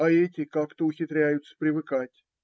А эти как-то ухитряются привыкать.